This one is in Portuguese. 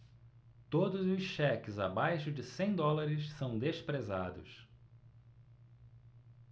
todos os cheques abaixo de cem dólares são desprezados